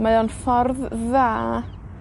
mae o'n ffordd dda